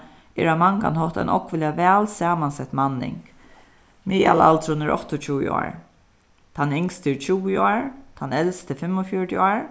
er á mangan hátt ein ógvuliga væl samansett manning miðalaldurin er áttaogtjúgu ár tann yngsti er tjúgu ár tann elsti er fimmogfjøruti ár